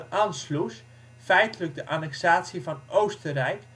Anschluss, feitelijk de annexatie van Oostenrijk